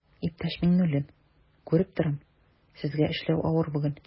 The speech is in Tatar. Иптәш Миңнуллин, күреп торам, сезгә эшләү авыр бүген.